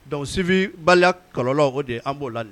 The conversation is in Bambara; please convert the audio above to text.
Dɔnkuc sibi baliya kɔlɔn o de an b'o la